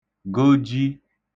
goji